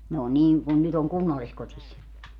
ne oli niin kuin nyt on kunnalliskodissa